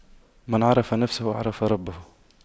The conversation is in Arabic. من عرف نفسه عرف ربه